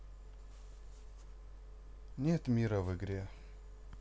нет мира в игре